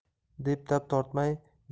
deb tap tortmay